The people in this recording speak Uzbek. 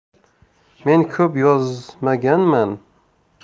men ko'p yozmaganman